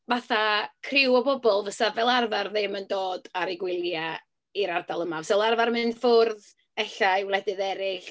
Fatha criw o bobl fysa fel arfer ddim yn dod ar eu gwyliau i'r ardal yma, fysa fel arfer yn mynd ffwrdd ella i wledydd eraill.